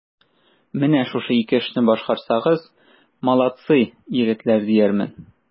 Менә шушы ике эшне башкарсагыз, молодцы, егетләр, диярмен.